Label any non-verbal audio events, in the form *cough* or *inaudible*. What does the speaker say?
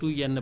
*hesitation* *hesitation*